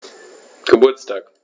Geburtstag